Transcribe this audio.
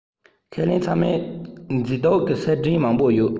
ཁས ལེན ཚང མས མཛེས སྡུག གི ཕྱིར དྲན མང པོ ཡོད